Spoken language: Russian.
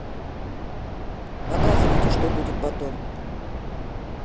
показывайте что будет потом